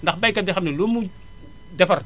ndax baykat bi xam ne lu mu defar